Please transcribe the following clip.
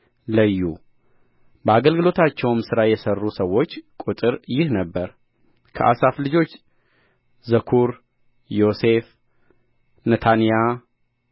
ለዩ በአገልግሎታቸውም ሥራ የሠሩ ሰዎች ቍጥር ይህ ነበረ ከአሳፍ ልጆች ዘኩር ዮሴፍ ነታንያ